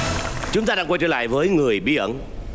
chúng ta đã quay trở lại với người bí ẩn